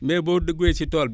mais boo duggee ci tool bi